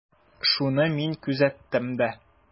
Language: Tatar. Шуны мин күзәттем дә.